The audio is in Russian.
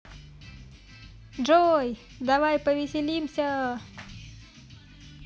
джой давай повеселимся